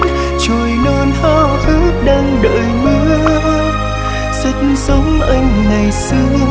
chồi non háo hức đang đợi mưa rất giống anh ngày xưa